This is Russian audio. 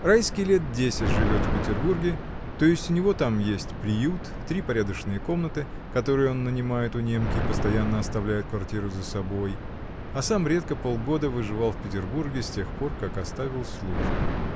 Райский лет десять живет в Петербурге, то есть у него там есть приют, три порядочные комнаты, которые он нанимает у немки и постоянно оставляет квартиру за собой, а сам редко полгода выживал в Петербурге, с тех пор как оставил службу.